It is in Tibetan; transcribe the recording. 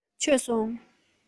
མཆོད སོང